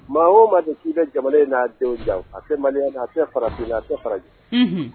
Maa o ma de' i ka jamana n'a denw ja a tɛ maliya a fara a faraji